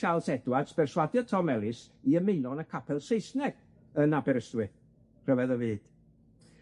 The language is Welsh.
Charles Edwards berswadio Tom Ellis i ymuno yn y capel Saesneg yn Aberystwyth, rhyfedd o fyd.